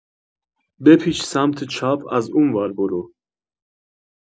بپیچ سمت چپ از اونور برو